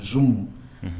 Zun